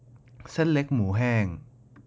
เส้นเล็กหมููแห้ง